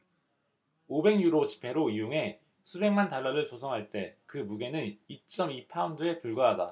오백 유로 지폐로 이용해 수백만 달러를 조성할 때 그 무게는 이 쩜 이 파운드에 불과하다